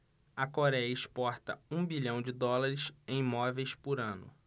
a coréia exporta um bilhão de dólares em móveis por ano